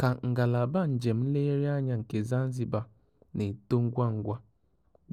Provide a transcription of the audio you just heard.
Ka ngalaba njem nlegharị anya nke Zanzibar na-eto ngwa ngwa,